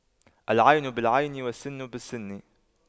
العين بالعين والسن بالسن